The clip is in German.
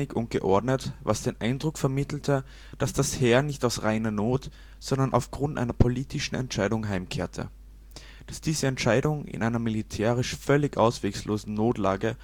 und geordnet, was den Eindruck vermittelte, dass das Heer nicht aus reiner Not, sondern auf Grund einer politischen Entscheidung heimkehrte. Dass diese Entscheidung in einer militärisch völlig ausweglosen Notlage